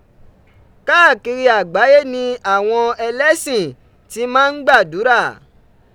Kaakiri agbaye ni awọn ẹlẹsin ti máa ń gbàdúrà